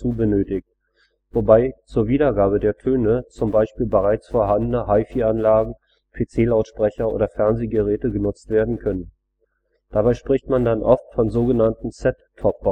benötigt, wobei zur Wiedergabe der Töne zum Beispiel bereits vorhandende HiFi-Anlagen, PC-Lautsprecher oder Fernsehgeräte genutzt werden können. Dabei spricht man dann oft von sogenannten Set-Top-Boxen